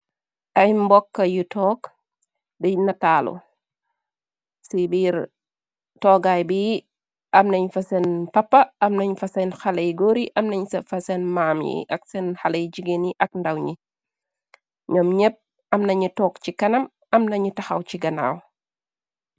Ay mboka yu toog di nataalu ci biir toogaay bi am neeñ fa seen pappa am naeeñ fa seen xalay góori am naeeñ fa seen maam yi ak seen xaley jigéen yi ak ndàw ñi ñoom ñépp am nañu toog ci kanam am nañu taxaw ci ganaaw.